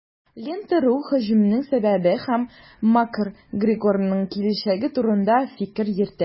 "лента.ру" һөҗүмнең сәбәбе һәм макгрегорның киләчәге турында фикер йөртә.